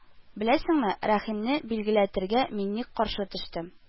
Беләсеңме, Рәхимне билгеләтергә мин ник каршы төштем